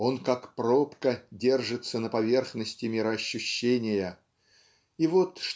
он, как пробка, держится на поверхности мироощущения и вот